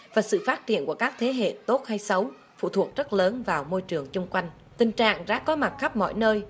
và sự phát triển của các thế hệ tốt hay xấu phụ thuộc rất lớn vào môi trường chung quanh tình trạng rác có mặt khắp mọi nơi